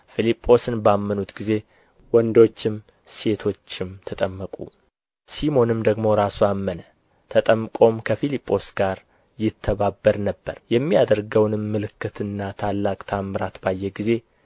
ፊልጶስን ባመኑት ጊዜ ወንዶችም ሴቶችም ተጠመቁ ሲሞንም ደግሞ ራሱ አመነ ተጠምቆም ከፊልጶስ ጋር ይተባበር ነበር የሚደረገውንም ምልክትና ታላቅ ተአምራት ባየ ጊዜ